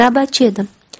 navbatchi edim